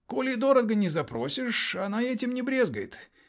Коли дорого не запросишь -- она этим не брезгает.